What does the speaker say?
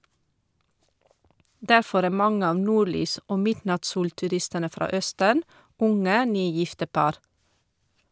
Derfor er mange av nordlys- og midnattssolturistene fra Østen unge, nygifte par.